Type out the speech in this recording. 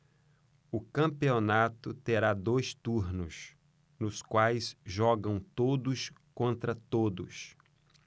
o campeonato terá dois turnos nos quais jogam todos contra todos